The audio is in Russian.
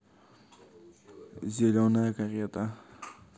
зеленая карета